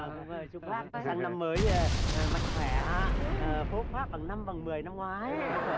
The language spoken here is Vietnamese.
chúc bác sang năm mới mạnh khỏe phốp pháp bằng năm bằng mười năm ngoái